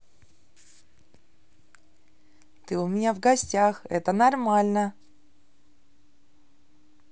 ты у меня в гостях это нормально